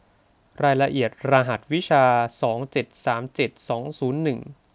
รายละเอียดรหัสวิชาสองเจ็ดสามเจ็ดสองศูนย์หนึ่ง